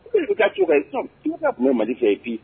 I ka cogo ka tu ka kuma malidi fɛ ye bi